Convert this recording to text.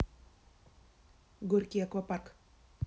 горький аквапарк